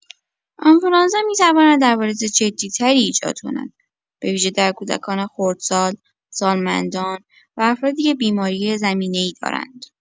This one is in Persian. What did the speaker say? آنفولانزا می‌تواند عوارض جدی‌تری ایجاد کند به‌ویژه در کودکان خردسال، سالمندان و افرادی که بیماری زمینه‌ای دارند.